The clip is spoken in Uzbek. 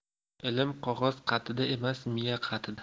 ilm qog'oz qatida emas miya qatida